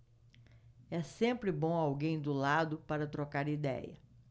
é sempre bom alguém do lado para trocar idéia